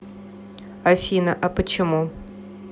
афина а почему